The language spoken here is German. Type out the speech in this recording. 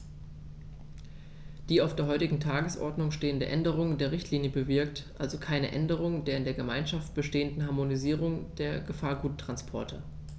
Die auf der heutigen Tagesordnung stehende Änderung der Richtlinie bewirkt also keine Änderung der in der Gemeinschaft bestehenden Harmonisierung der Gefahrguttransporte.